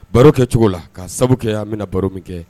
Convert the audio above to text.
Baro kɛ cogo la ka sababu kɛ'a bɛna na baro min kɛ